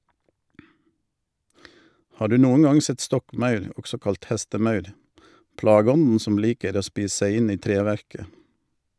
Har du noen gang sett stokkmaur, også kalt hestemaur, plageånden som liker å spise seg inn i treverket?